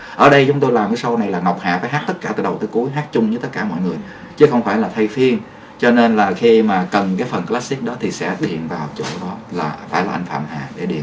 ở đây chúng tôi làm sau này là ngọc hạ phải hát tất cả từ đầu tới cuối hát chung với tất cả mọi người chứ không phải là thay phiên cho nên là khi mà cần cái phần cờ lát xích đó thì sẽ điền vào chỗ đó là cái mà anh phạm hà để điền